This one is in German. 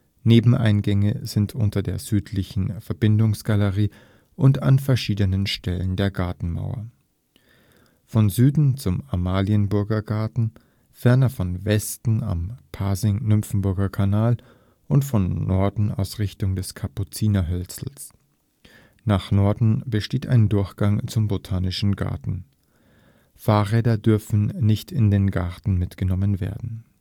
Nebeneingänge sind unter der südlichen Verbindungsgalerie und an verschiedenen Stellen der Gartenmauer: von Süden zum Amalienburger Garten, ferner von Westen am Pasing-Nymphenburger Kanal und von Norden aus Richtung des Kapuzinerhölzls. Nach Norden besteht ein Durchgang zum Botanischen Garten. Fahrräder dürfen nicht in den Garten mitgenommen werden